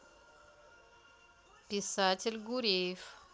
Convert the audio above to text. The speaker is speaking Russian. писатель гуреев